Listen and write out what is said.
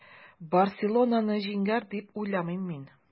“барселона”ны җиңәр, дип уйламыйм мин.